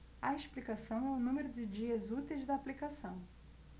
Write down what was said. a explicação é o número de dias úteis da aplicação